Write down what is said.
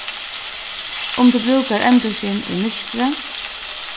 um tú brúkar endurskin í myrkri